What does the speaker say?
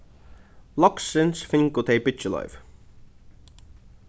loksins fingu tey byggiloyvi